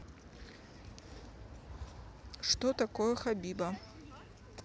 что такое хабиба